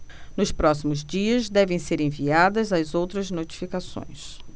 nos próximos dias devem ser enviadas as outras notificações